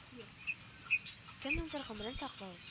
Кемнеңдер гомерен саклау